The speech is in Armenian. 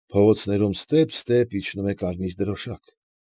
Փողոցներում ստեպ֊ստեպ իջնում է կարմիր դրոշակ։